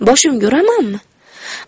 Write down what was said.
boshimga uramanmi